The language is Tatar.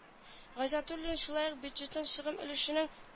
Гайзатуллин шулай ук бюджетның чыгым өлешенең